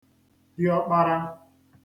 diọkpara